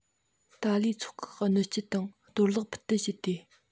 ཏཱ ལའི ཚོགས ཁག གི གནོད སྐྱེལ དང གཏོར བརླག ཕུད འདེད བྱས ཏེ